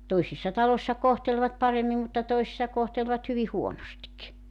toisissa taloissa kohtelivat paremmin mutta toisissa kohtelivat hyvin huonosti